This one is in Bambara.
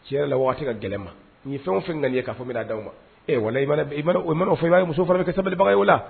Tiɲɛ la waati ka gɛlɛn ma nin ye fɛn o fɛn ka ye k'a min d di aw ma o fɛ i'a muso fɔlɔ kɛ sabalibagaw o la